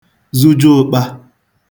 zụju ụ̄kpā